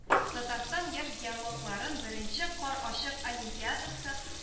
Татарстан яшь геологларын беренче кар ачык олимпиадасы